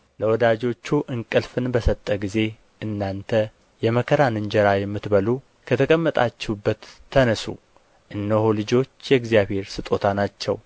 ለወዳጆቹ እንቅልፍን በሰጠ ጊዜ እናንተ የመከራን እንጀራ የምትበሉ ከተቀመጣችሁበት ተነሡ እነሆ ልጆች የእግዚአብሔር ስጦታ ናቸው